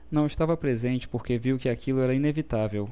não estava presente porque viu que aquilo era inevitável